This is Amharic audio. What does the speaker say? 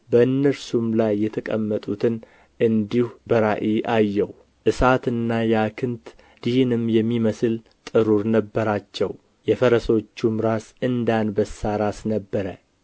በእነርሱም ላይ የተቀመጡትን እንዲሁ በራእይ አየሁ እሳትና ያክንት ዲንም የሚመስል ጥሩር ነበራቸው የፈረሶቹም ራስ እንደ አንበሳ ራስ ነበረ